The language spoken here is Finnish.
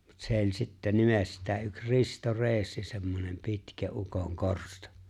mutta se oli sitten nimestään yksi Risto Reessi semmoinen pitkä ukon korsto